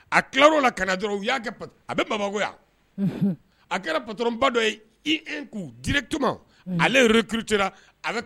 A a bɛ baba a kɛra patoba dɔ yeu di ale kite